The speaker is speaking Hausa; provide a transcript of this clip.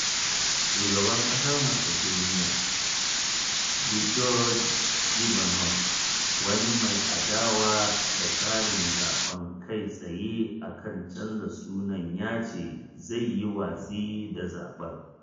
Shugaban Ƙasar Macedonia Gjorge Ivanov, wani mai adawa da tsarin zaɓen kai tsaye a kan canza sunan, ya ce zai yi watsi da zaɓen.